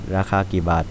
ราคากี่บาท